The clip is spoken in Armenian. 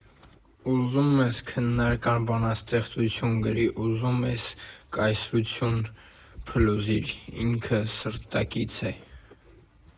Ուզում ես քնարական բանաստեղծություն գրի, ուզում ես կայսրություն փլուզիր՝ ինքը սրտակից է։